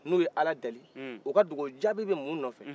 n'o ye ala deli u ka dugagu jaabi bɛ mun nɔfɛ